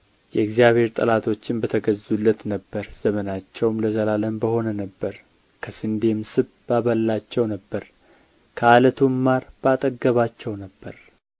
የእግዚአብሔር ጠላቶችም በተገዙለት ነበር ዘመናቸውም ለዘላለም በሆነ ነበር ከስንዴም ስብ ባበላቸው ነበር ከዓለቱም ማር ባጠገባቸው ነበር